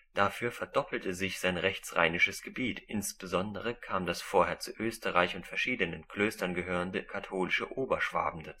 Dafür verdoppelte sich sein rechtsrheinisches Gebiet, insbesondere kam das vorher zu Österreich und verschiedenen Klöstern gehörende katholische Oberschwaben